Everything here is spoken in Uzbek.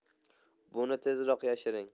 buni tezroq yashiring